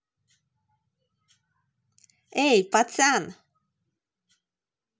эй пацан